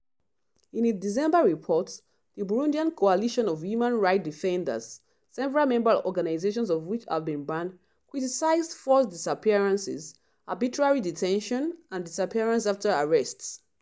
In its December report, the Burundian Coalition of Human Rights Defenders — several member organizations of which have been banned — criticized forced disappearances, arbitrary detention, and disappearances after arrest.